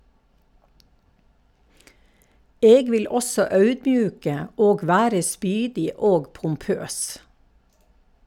Eg vil også audmjuke og vere spydig og pompøs.